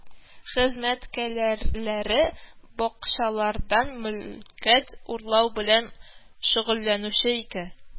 Хезмәткәрләре бакчалардан мөлкәт урлау белән шөгыльләнүче ике